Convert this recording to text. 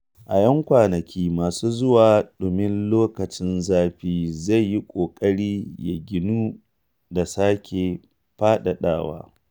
A ‘yan kwanaki masu zuwa, ɗumin lokacin zafi zai yi ƙoƙari ya ginu da sake faɗaɗa.